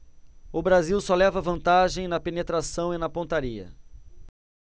o brasil só leva vantagem na penetração e na pontaria